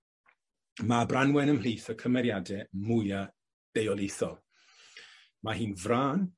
ma' Branwen ymhlith y cymeriade mwya deuoliaethol. Ma' hi'n frân